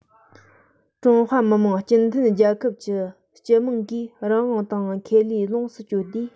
ཀྲུང ཧྭ མི དམངས སྤྱི མཐུན རྒྱལ ཁབ ཀྱི སྤྱི དམངས ཀྱིས རང དབང དང ཁེ དབང ལོངས སུ སྤྱོད དུས